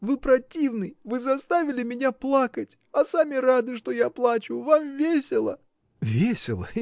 — Вы противный, вы заставили меня плакать, а сами рады, что я плачу: вам весело. — Весело!